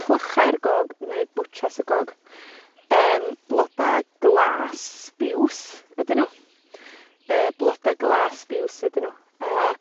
Clychau'r Gog neu Bwtsias y Gog, yym bloda glas biws ydyn nw, yy bloda glas, biws ydyn nw a,